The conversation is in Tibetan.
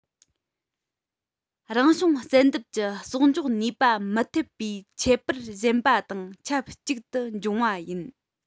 རང བྱུང བསལ འདེམས ཀྱི གསོག འཇོག ནུས པ མི ཐེབས པའི ཁྱད པར གཞན པ དང ཆབས ཅིག ཏུ འབྱུང བ ཡིན